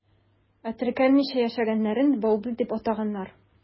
Ә теркәлмичә яшәгәннәрен «баубил» дип атаганнар.